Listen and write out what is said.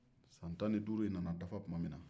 san tan ni duuru in nana dafa tuma min na